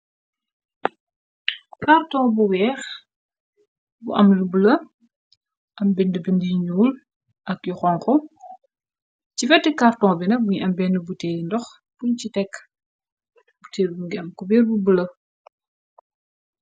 Karton bu weex bu am lu bleu, am bindu bindu yu njuul ak yu honhu, ci wehtu karton bi nak mungi am behnu butéeyi ndox bungh chi tekk, butehll bii mungi am couberre bu bleu.